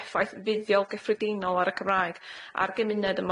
effaith fuddiol gyffredinol ar y Cymraeg a'r gymuned ym